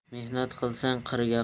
mehnat qilsang qirga